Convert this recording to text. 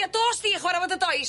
Ia dos di chwara' fo dy dois.